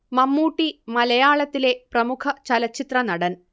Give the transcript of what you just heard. മമ്മൂട്ടി മലയാളത്തിലെ പ്രമുഖ ചലച്ചിത്രനടൻ